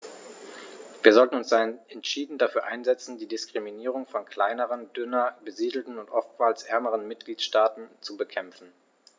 Wir sollten uns daher entschieden dafür einsetzen, die Diskriminierung von kleineren, dünner besiedelten und oftmals ärmeren Mitgliedstaaten zu bekämpfen.